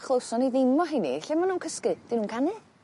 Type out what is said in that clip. Clywson ni ddim o rheini. Lle ma' nw'n cysgu? Dim yn canu.